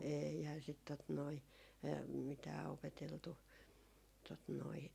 eihän sitä tuota noin mitään opeteltu tuota noin